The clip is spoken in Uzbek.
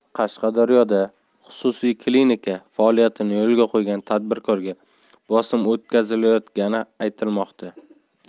qashqadaryoda xususiy klinika faoliyatini yo'lga qo'ygan tadbirkorga bosim o'tkazilayotgani aytilmoqda